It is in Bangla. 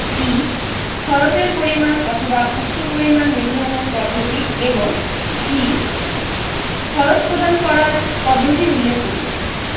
ই খরচের পরিমাণ অথবা উক্ত পরিমাণ নির্ধারণের পদ্ধতি এবং ঈ খরচ প্রদান করার পদ্ধতি উল্লেখ করিবে